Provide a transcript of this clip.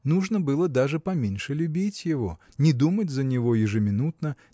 Нужно было даже поменьше любить его не думать за него ежеминутно